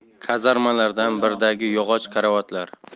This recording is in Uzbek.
kazarmalardan biridagi yog'och karavotlar